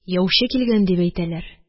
Яучы килгән дип әйтәләр,